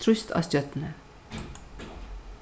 trýst á stjørnu